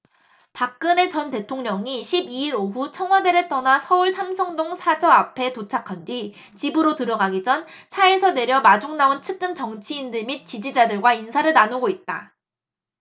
박근혜 전 대통령이 십 이 일 오후 청와대를 떠나 서울 삼성동 사저 앞에 도착한 뒤 집으로 들어가기 전 차에서 내려 마중 나온 측근 정치인들 및 지지자들과 인사를 나누고 있다